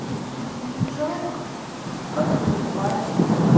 жалко как его звали